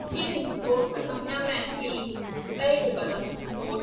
chia thành phần bằng nhau là thì đây được coi là một phần